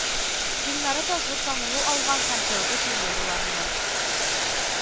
Фильмнары да зур танылу алган һәм тәүге премьераларыннан